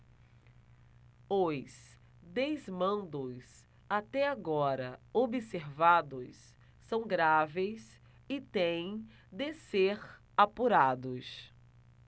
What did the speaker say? os desmandos até agora observados são graves e têm de ser apurados